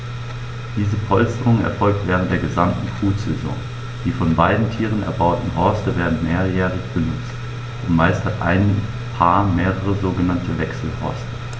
Diese Polsterung erfolgt während der gesamten Brutsaison. Die von beiden Tieren erbauten Horste werden mehrjährig benutzt, und meist hat ein Paar mehrere sogenannte Wechselhorste.